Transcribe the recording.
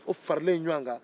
o faralen ɲɔgɔn kan